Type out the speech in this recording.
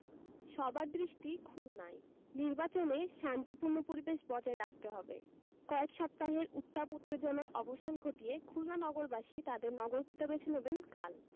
সবার দৃষ্টি খুলনায় নির্বাচনে শান্তিপূর্ণ পরিবেশ বজায় রাখতে হবে কয়েক সপ্তাহের উত্তাপ উত্তেজনার অবসান ঘটিয়ে খুলনা নগরবাসী তাঁদের নগরপিতা বেছে নেবেন কাল